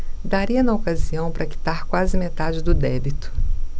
daria na ocasião para quitar quase metade do débito